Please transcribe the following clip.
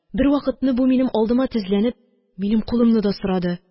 Бервакытны бу, минем алдыма тезләнеп, минем кулымны да сорады